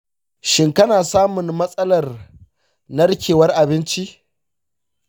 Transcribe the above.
shin kana samun matsalar narkewar abinci?